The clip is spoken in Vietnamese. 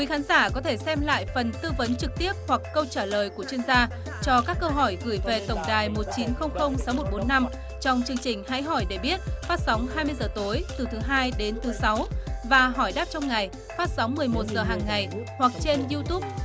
khán giả có thể xem lại phần tư vấn trực tiếp hoặc câu trả lời của chuyên gia cho các câu hỏi gửi về tổng đài một chín không không sáu một bốn năm trong chương trình hãy hỏi để biết phát sóng hai mươi giờ tối từ thứ hai đến thứ sáu và hỏi đáp trong ngày phát sóng mười một giờ hằng ngày hoặc trên diu túp